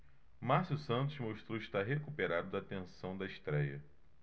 márcio santos mostrou estar recuperado da tensão da estréia